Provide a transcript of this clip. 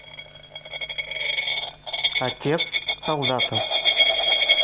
отец солдата